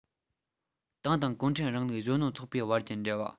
ཏང དང གུང ཁྲན རིང ལུགས གཞོན ནུ ཚོགས པའི བར གྱི འབྲེལ བ